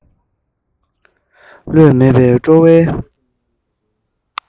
ལྷོད མེད པའི སྤྲོ བའི